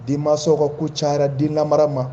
Den mansaw ka ko cayara den lamara ma